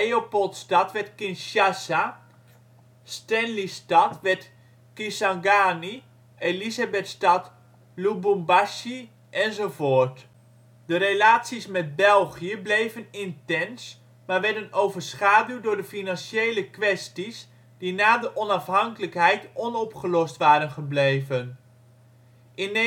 Leopoldstad werd Kinshasa, Stanleystad werd Kisangani, Elisabethstad Lubumbashi, enzovoort. De relaties met België bleven intens, maar werden overschaduwd door de financiële kwesties die na de onafhankelijkheid onopgelost waren gebleven (" le contentieux "). In 1970